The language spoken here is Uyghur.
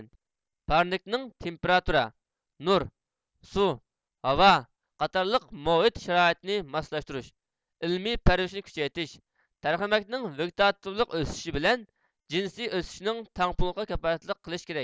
پارنىكنىڭ تېمپېراتۇرا نۇر سۇ ھاۋا قاتارلىق مۇھىت شارائىتىنى ماسلاشتۇرۇش ئىلمىي پەرۋىشنى كۈچەيتىش تەرخەمەكنىڭ ۋېگىتاتىۋلىق ئۆسۈشى بىلەن جىنسىي ئۆسۈشىنىڭ تەڭپۇڭلۇقىغا كاپالەتلىك قىلىش كېرەك